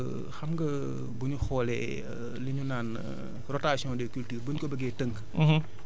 xam nga bu ñu xoolee li ñu naan rotatiion des cultures bu ñu ko bëggee tënk